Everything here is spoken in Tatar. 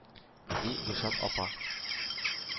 – ди гөлшат апа.